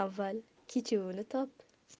avval kechuvini top